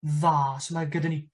dda. So ma' gyda ni